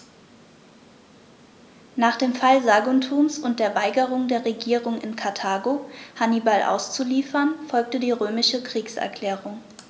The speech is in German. Nach dem Fall Saguntums und der Weigerung der Regierung in Karthago, Hannibal auszuliefern, folgte die römische Kriegserklärung.